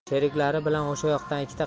sheriklari bilan o'sha yoqdan ikkita